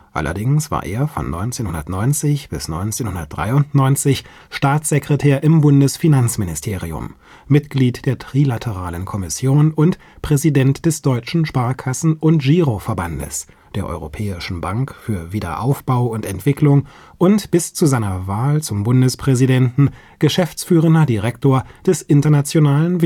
Allerdings war er von 1990 bis 1993 Staatssekretär im Bundesfinanzministerium, Mitglied der Trilateralen Kommission und Präsident des Deutschen Sparkassen - und Giroverband, der Europäischen Bank für Wiederaufbau und Entwicklung (EBWE) und bis zu seiner Wahl zum Bundespräsidenten war er Geschäftsführender Direktor des Internationalen